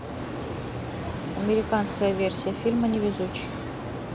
американская версия фильма невезучие